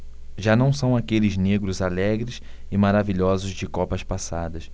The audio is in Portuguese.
já não são aqueles negros alegres e maravilhosos de copas passadas